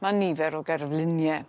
ma' nifer o gerflunie.